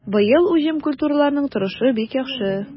Быел уҗым культураларының торышы бик яхшы.